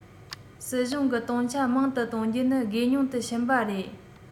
སྲིད གཞུང གི གཏོང ཆ མང དུ གཏོང རྒྱུ ནི དགོས ཉུང དུ ཕྱིན པ རེད